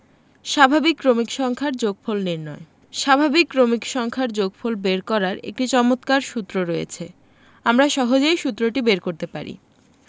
স্বাভাবিক ক্রমিক সংখ্যার যোগফল নির্ণয় স্বাভাবিক ক্রমিক সংখ্যার যোগফল বের করার একটি চমৎকার সূত্র রয়েছে আমরা সহজেই সুত্রটি বের করতে পারি